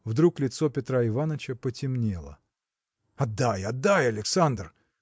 Вдруг лицо Петра Иваныча потемнело. – Отдай! отдай, Александр!